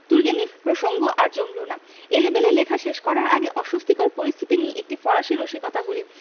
Turgenev প্রসঙ্গ আর জমল না এলেবেলে লেখা শেষ করার আগে অস্বস্তিকর পরিস্থিতি নিয়ে একটি ফরাসি রসিকতা বলি